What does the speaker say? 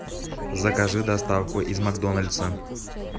закажи доставку из макдональдса